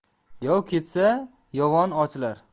yov ketsa yovon ochilar